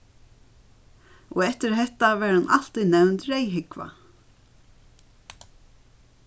og eftir hetta varð hon altíð nevnd reyðhúgva